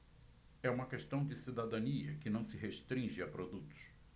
é uma questão de cidadania que não se restringe a produtos